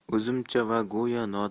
o'zimcha va go'yo